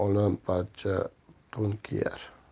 ola parcha to'n kiyar